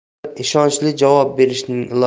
axir ishonchli javob berishning